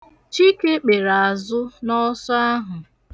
Chike kpere azụ n'ọsọ ahụ.